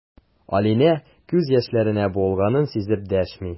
Алинә күз яшьләренә буылганын сизеп дәшми.